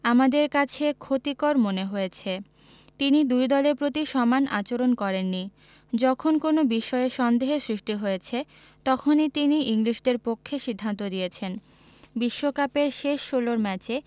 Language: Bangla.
আমাদের কাছে ক্ষতিকর মনে হয়েছে তিনি দুই দলের প্রতি সমান আচরণ করেননি যখন কোনো বিষয়ে সন্দেহের সৃষ্টি হয়েছে তখনই তিনি ইংলিশদের পক্ষে সিদ্ধান্ত দিয়েছেন বিশ্বকাপের শেষ ষোলর ম্যাচে